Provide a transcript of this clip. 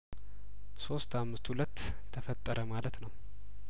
ሶስት አምስት ሁለት ተፈጠረ ማለት ነው